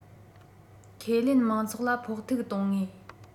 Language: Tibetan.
ཁས ལེན དམངས ཚོགས ལ ཕོག ཐུག གཏོང ངེས